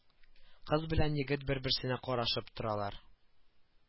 Кыз белән егет бер-берсенә карашып торалар